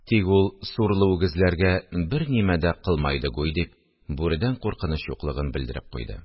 Тик ул сурлы үгезләргә бер нимә дә кылмайды гуй, – дип, бүредән куркыныч юклыгын белдереп куйды